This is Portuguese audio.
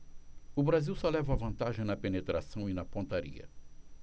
o brasil só leva vantagem na penetração e na pontaria